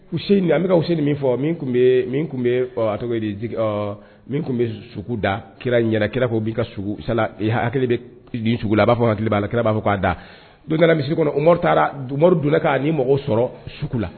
Se an bɛ se nin min fɔ tun bɛ tun bɛ tɔgɔ min tun bɛ su sugu da kira yɛrɛ kira'' ka sa hakili bɛ nin sugu a b'a fɔ hakili tile b' la kira b'a fɔ k'a da don misi kɔnɔ o taara donna k'a ni mɔgɔw sɔrɔ su la